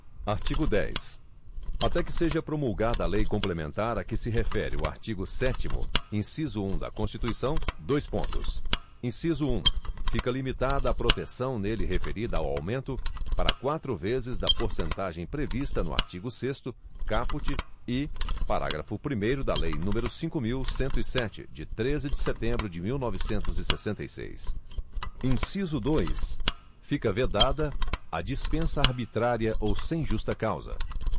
artigo dez até que seja promulgada a lei complementar a que se refere o artigo sétimo inciso um da constituição dois pontos inciso um fica limitada a proteção nele referida ao aumento para quatro vezes da porcentagem prevista no artigo sexto caput e parágrafo primeiro da lei número cinco mil cento e sete de treze de setembro de mil novecentos e sessenta e seis inciso dois fica vedada a dispensa arbitrária ou sem justa causa